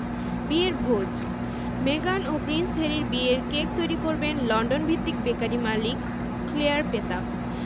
বিয়ের ভোজ মেগান ও প্রিন্স হ্যারির বিয়ের কেক তৈরি করবেন লন্ডনভিত্তিক বেকারি মালিক ক্লেয়ার পেতাক